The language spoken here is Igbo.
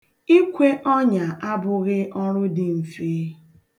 Ikwe ọnya abụghị ọrụ dị mfe.